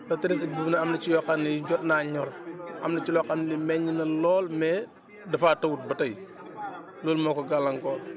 le treize août boobu noonu am na ci yoo xam ne yii jot naa ñor am na ci loo xam ne meññ na lool mais dafaa tawut ba tey loolu moo ko gàllankoor